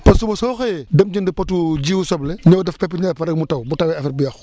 te suba soo xëyee dem jëndi potu ji wu soble ñëw def pepinière ba pare mu taw bu tawee affaire bi yàqu